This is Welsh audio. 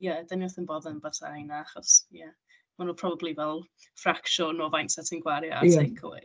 Ie, dan ni wrth ein boddau yn byta rheina, achos ie maen nhw'n probably fel, ffracsiwn o faint 'set ti'n gwario ar... ie ...takeaway.